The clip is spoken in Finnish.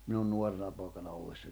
minun nuorena poikana ollessani